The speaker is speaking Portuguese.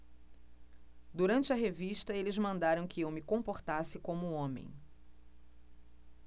durante a revista eles mandaram que eu me comportasse como homem